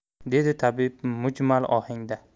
dedi tabib mujmal ohangda